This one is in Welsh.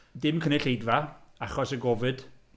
Dim cynulleidfa achos y gofid.